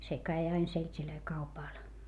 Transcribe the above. se kävi aina seltejä kaupalla